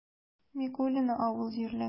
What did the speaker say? Микулино авыл җирлеге